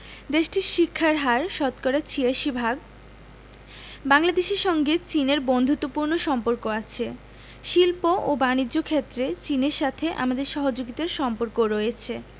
দেশটির শিক্ষার হার শতকরা ৮৬ ভাগ বাংলাদেশের সঙ্গে চীনের বন্ধুত্বপূর্ণ সম্পর্ক আছে শিল্প ও বানিজ্য ক্ষেত্রে চীনের সাথে আমাদের সহযোগিতার সম্পর্কও রয়েছে